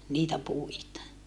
niitä puita